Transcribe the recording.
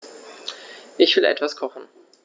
Ich will etwas kochen.